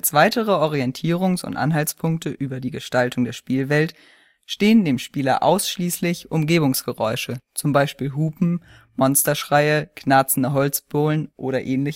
weitere Orientierungs - und Anhaltspunkte über die Gestaltung der Spielwelt stehen dem Spieler ausschließlich Umgebungsgeräusche (z. B. Hupen, Monsterschreie, knarrzende Holzbohlen u. ä